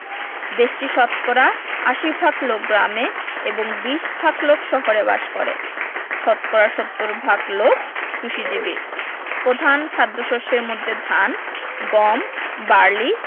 দেশটির শতকরা ৮০ ভাগ লোক গ্রামে এবং ২০ ভাগ লোক শহরে বাস করেশতকরা ৭০ ভাগ লোক কৃষিজীবী প্রধান খাদ্যশস্যের মধ্যে ধান গম বার্লি